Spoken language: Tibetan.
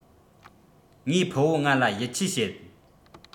ངའི ཕུ བོ ང ལ ཡིད ཆེས བྱེད